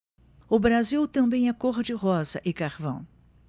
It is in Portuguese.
o brasil também é cor de rosa e carvão